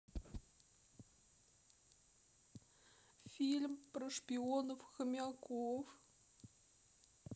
фильм про шпионов хомяков